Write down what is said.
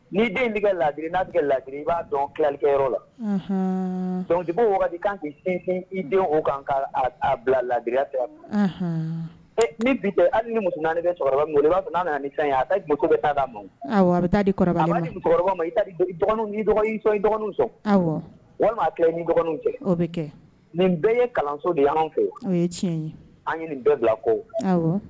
Ni' den bɛ la n'a bɛ ladi i b'a dɔn kilikɛyɔrɔ la dɔnkili kanfin i denw o kan ka bila ladiriya ma ni bi hali ni mu naani bɛ cɛkɔrɔba b'a' ta a taa bɛ taa d'a ma bɛ taa di dɔgɔnin dɔgɔnin sɔn i dɔgɔnin walima kɛ dɔgɔninw cɛ nin bɛɛ ye kalanso de anw fɔ tiɲɛ ye an nin dɔ bila ko